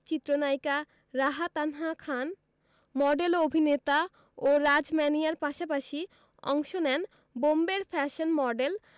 চিত্রনায়িকা রাহা তানহা খান মডেল ও অভিনেতা ও রাজ ম্যানিয়ার পাশাপাশি অংশ নেন বোম্বের ফ্যাশন মডেল